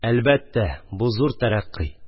Әлбәттә, бу зур тәрәккый!